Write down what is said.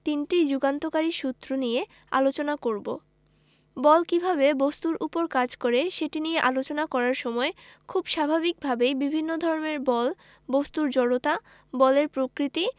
তিনটি যুগান্তকারী সূত্র নিয়ে আলোচনা করব বল কীভাবে বস্তুর উপর কাজ করে সেটি নিয়ে আলোচনা করার সময় খুব স্বাভাবিকভাবেই বিভিন্ন ধরনের বল বস্তুর জড়তা বলের প্রকৃতি